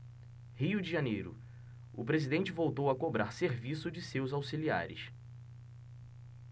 rio de janeiro o presidente voltou a cobrar serviço de seus auxiliares